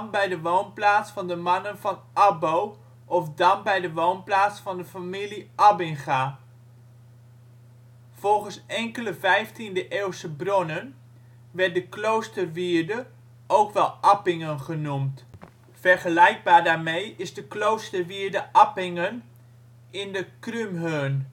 bij de woonplaats van de mannen van Abbo ' of ' dam bij de woonplaats van de familie Abbinga '. Volgens enkele 15-eeuwse bronnen werd de kloosterwierde ook wel Appingen genoemd. Vergelijkbaar daarmee is de kloosterwierde Appingen in de Krummhörn